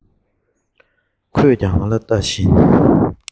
ཁོས ཀྱང ང ལ ལྟ བཞིན